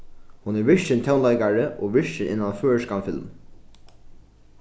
hon er virkin tónleikari og virkin innan føroyskan film